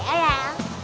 ra á